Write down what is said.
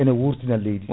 ene wurtina leydi